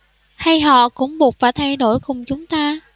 hay họ cũng buộc phải thay đổi cùng chúng ta